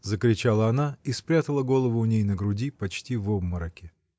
— закричала она и спрятала голову у ней на груди, почти в обмороке.